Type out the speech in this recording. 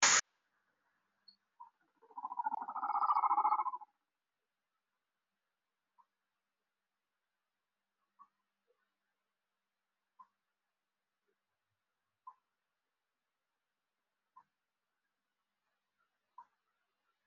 Wakartoon waxaa ku sawiran soonka caloosha lagu yareeyo qof ayaa ugu xiran yahay calosha ilaalada cadaan wado